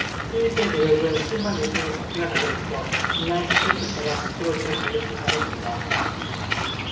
힐리스의 매력은 신발 밑창에 바퀴가 달려 있어 인라인스케이트처럼 미끄러지듯 달릴 수 있다는 점이다